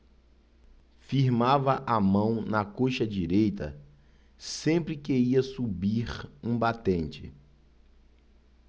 firmava a mão na coxa direita sempre que ia subir um batente